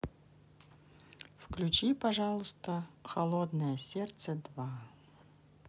включи пожалуйста холодное сердце два